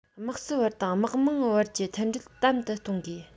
དམག སྲིད བར དང དམག དམངས བར གྱི མཐུན སྒྲིལ དམ དུ གཏོང དགོས